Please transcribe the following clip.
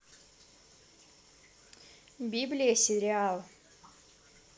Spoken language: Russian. библия сериал